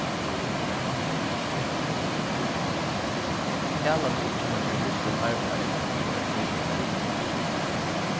talan er ikki um gera húsligt arbeiði tá tú ert vitjanarvinur